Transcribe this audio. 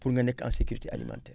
pour nga nekk en sécurité alimentaire